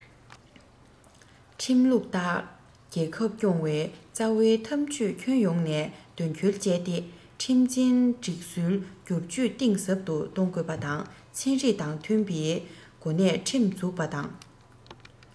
ཁྲིམས ལུགས ལྟར རྒྱལ ཁབ སྐྱོང བའི རྩ བའི ཐབས ཇུས ཁྱོན ཡོངས ནས དོན འཁྱོལ བྱས ཏེ ཁྲིམས འཛིན སྒྲིག སྲོལ སྒྱུར བཅོས གཏིང ཟབ ཏུ གཏོང དགོས པ དང ཚན རིག དང མཐུན པའི སྒོ ནས ཁྲིམས འཛུགས པ དང